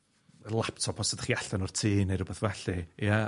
laptop os ydach chi allan o'r tŷ ne' rwbeth felly, ie?